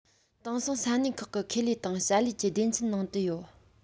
དེང སང ས གནས ཁག གི ཁེ ལས དང བྱ ལས ཀྱི སྡེ ཚན ནང དུ ཡོད